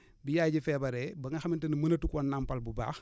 bu yaay ji feebaree ba nga xamante ne mënatu koo nàmpal bu baax